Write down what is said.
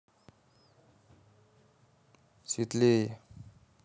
светлее